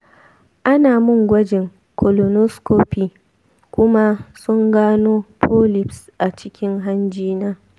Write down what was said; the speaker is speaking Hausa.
ana mun gwajin colonoscopy kuma sun gano polyps acikin hanji na.